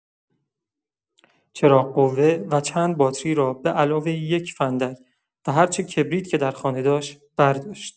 چراغ‌قوه و چند باتری را به‌علاوه یک فندک و هرچه کبریت که در خانه داشت، برداشت.